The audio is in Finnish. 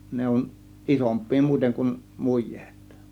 ne on isompia muuten kuin mujeet